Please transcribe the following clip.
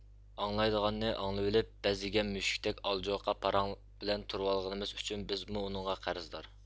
ئاڭلايدىغاننى ئاڭلىۋېلىپ بەز يېگەن مۈشۈكتەك ئالىجوقا پاراڭلار بىلەن تۇرۇۋالغىنىمىز ئۈچۈن بىزمۇ ئۇنىڭغا قەرزدار